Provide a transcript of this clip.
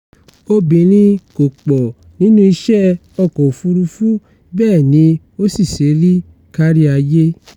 Obìnrin kò pọ̀ nínú iṣẹ́ ọkọ̀ òfuurufú, bẹ́ẹ̀ ni ó sì ṣe rí káríayé.